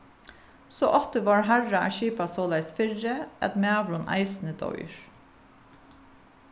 so átti várharra at skipað soleiðis fyri at maðurin eisini doyr